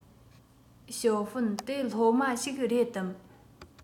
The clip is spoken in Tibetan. ཞའོ ཧྥུང དེ སློབ མ ཞིག རེད དམ